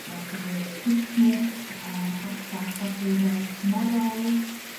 Yy safleoedd picnic a partha' cadwraeth morol